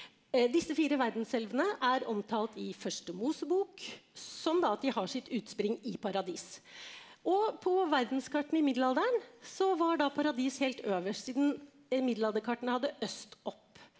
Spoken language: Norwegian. disse fire verdenselvene er omtalt i Første mosebok som da at de har sitt utspring i paradis og på verdenskartene i middelalderen så var da paradis helt øverst siden middelalderkartene hadde øst opp.